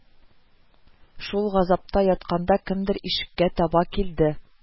Шул газапта ятканда кемдер ишеккә таба килде